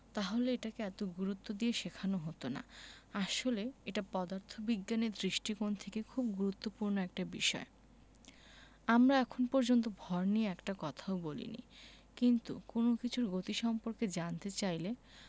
তাহলে এটাকে এত গুরুত্ব দিয়ে শেখানো হতো না আসলে এটা পদার্থবিজ্ঞানের দৃষ্টিকোণ থেকে খুব গুরুত্বপূর্ণ একটা বিষয় আমরা এখন পর্যন্ত ভর নিয়ে একটি কথাও বলিনি কিন্তু কোনো কিছুর গতি সম্পর্কে জানতে চাইলে